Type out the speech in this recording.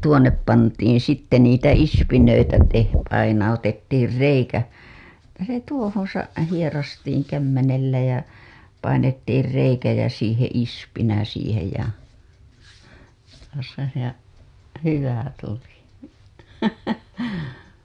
tuonne pantiin sitten niitä ispinöitä - painautettiin reikä se tuohon - hieraistiin kämmenellä ja painettiin reikä ja siihen ispinä siihen ja hyvä tuli